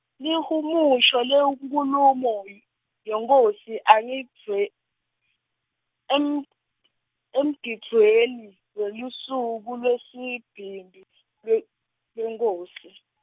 lihumusho lenkhulumo y-, yenkhosi emidve-, em- emgidvweni welusuku lwesibhimbi lwe, lwenkhosi.